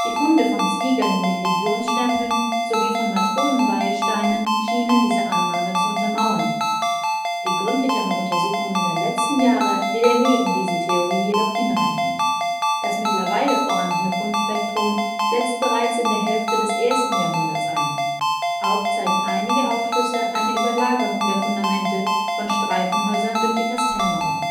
Funde von Ziegeln mit Legionsstempeln sowie von Matronenweihesteinen schienen diese Annahme zu untermauern. Die gründlicheren Untersuchungen der letzten Jahre widerlegen diese These hinreichend. Das mittlerweile vorhandene Fundspektrum setzt bereits in der ersten Hälfte des 1. Jahrhunderts ein. Auch zeigen einige Aufschlüsse eine Überlagerung der Fundamente von Streifenhäusern durch die Kastellmauer